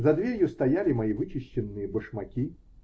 За дверью стояли мои вычищенные башмаки